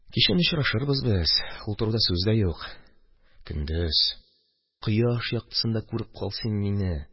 Кичен очрашырбыз без, ул турыда сүз дә юк, көндез, кояш яктысында күреп кал син мине!